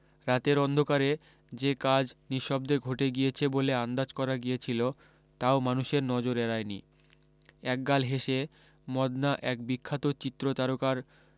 রাতের অন্ধকারে যে কাজ নিশব্দে ঘটে গিয়েছে বলে আন্দাজ করা গিয়েছিল তাও মানুষের নজর এড়ায়নি একগাল হেসে মদনা এক বিখ্যাত চিত্রতারকার